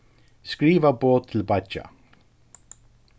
skriva boð til beiggja